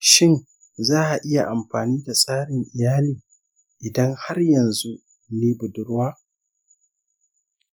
shin za a iya amfani da tsarin iyali idan har yanzu ni budurwa ?